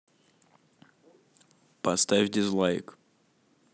поставь дизлайк